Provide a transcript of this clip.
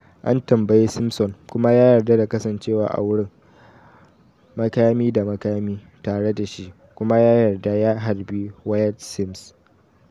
An tambayi Simpson kuma ya yarda da kasancewa a wurin, makami da makami tare da shi, kuma ya yarda ya harbi Wayde Sims.